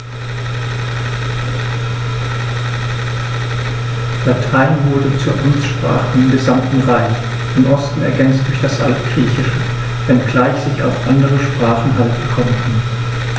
Latein wurde zur Amtssprache im gesamten Reich (im Osten ergänzt durch das Altgriechische), wenngleich sich auch andere Sprachen halten konnten.